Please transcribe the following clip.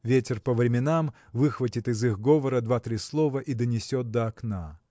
Ветер по временам выхватит из их говора два-три слова и донесет до окна.